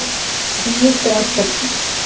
сменить трактор